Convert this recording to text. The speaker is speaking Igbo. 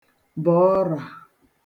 bọ̀ ọrà